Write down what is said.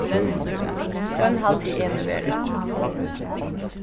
hvønn haldi eg meg vera